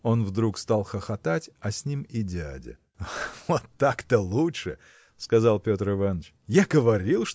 Он вдруг стал хохотать, а с ним и дядя. – Вот так-то лучше! – сказал Петр Иваныч – я говорил